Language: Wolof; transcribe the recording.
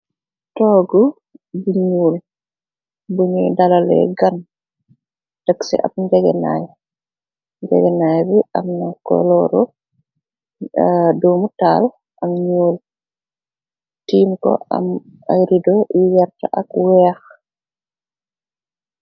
Toog bi ñuul buñuy dalale gam. dëg ci ab eenay njegenaay bi am na koloru dumu taal ak ñuul tiim ko am ak rido yi yert ak weex.